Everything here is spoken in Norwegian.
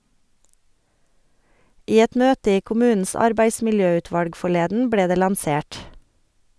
I et møte i kommunens arbeidsmiljøutvalg forleden ble det lansert.